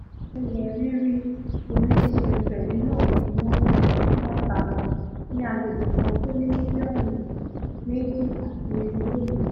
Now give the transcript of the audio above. Àwọn ilẹ̀ rírì oní-ṣiṣẹ̀-ń-tẹ̀lé náà ní wọ́n mọ̀lára ní agbègbè̀ kan tóní mílíọ̀nù méjí àti irinwó ènìyàn.